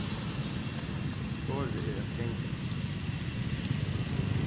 orðið er at ganga